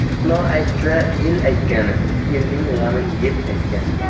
dono aytsa el aytgani elning g'amin yeb aytgani